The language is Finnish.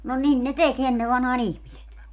no niin ne teki ennen vanhaan ihmiset